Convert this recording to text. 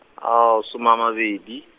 soma a mabedi.